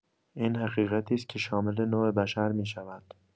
این حقیقتی است که شامل نوع بشر می‌شود.